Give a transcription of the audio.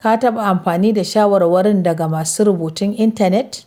ka taɓa amfani da shawarwarin daga masu rubutun intanet?